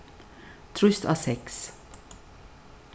trýst á seks